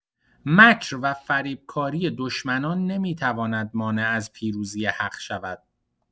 مکر و فریب‌کاری دشمنان نمی‌تواند مانع از پیروزی حق شود.